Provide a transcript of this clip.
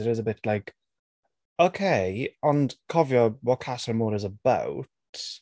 it is a bit like, okay, ond cofio, what Casa Amor is about.